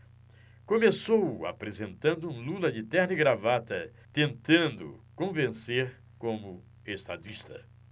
começou apresentando um lula de terno e gravata tentando convencer como estadista